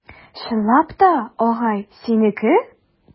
Чынлап та, агай, синеке?